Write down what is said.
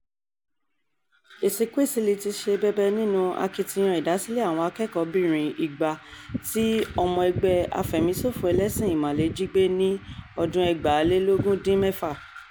Ezekwesili ti ṣe bẹbẹ nínú akitiyan ìdásílẹ̀ àwọn akẹ́kọ̀ọ́-bìnrin 200 tí ọmọ ẹgbẹ́ afẹ̀míṣòfo Ẹlẹ́sìn ìmale jí gbé ní ọdún 2014.